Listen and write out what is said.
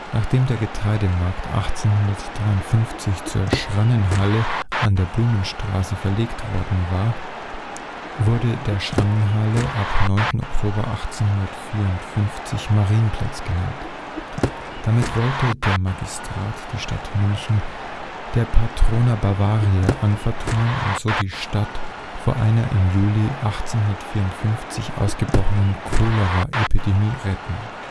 Nachdem der Getreidemarkt 1853 zur Schrannenhalle an der Blumenstraße verlegt worden war, wurde der Schrannenplatz ab 9. Oktober 1854 Marienplatz genannt. Damit wollte der Magistrat die Stadt München der Patrona Bavariae anvertrauen und so die Stadt vor einer im Juli 1854 ausgebrochenen Cholera-Epidemie retten